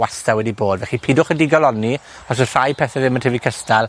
wasta wedi bod. Felly pidwch â digaloni os o's rhai pethe ddim yn tyfu cystal,